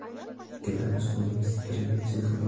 ikkalamiz qo'limiz titragancha